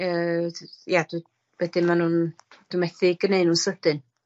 Yy js ia jys, wedyn ma' nw'n, dwi methu gneud nw'n sydyn.